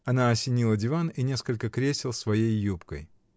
Она осенила диван и несколько кресел своей юбкой.